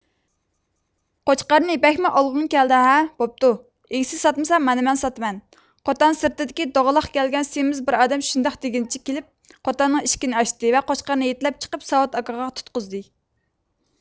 قوچقارنى بەكمۇ ئالغۇڭ كەلدى ھە بوپتۇ ئىگىسى ساتمىسا مانا مەن ساتتىم قوتان سىرتىدىكى دوغىلاق كەلگەن سېمىز بىر ئادەم شۇنداق دېگىنىچە كېلىپ قوتاننىڭ ئىشىكىنى ئاچتى ۋە قوچقارنى يېتىلەپ چىقىپ ساۋۇت ئاكىغا تۇتقۇزدى